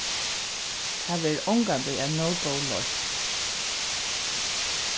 tað verður ongantíð ein nóg góð loysn